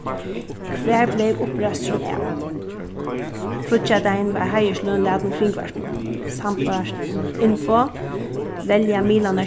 hvar bleiv uppreisturin av fríggjadagin varð heiðursløn latin kringvarpinum sambært in.fo velja miðlarnir